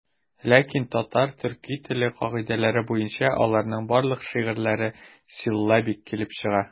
Ләкин татар-төрки теле кагыйдәләре буенча аларның барлык шигырьләре силлабик килеп чыга.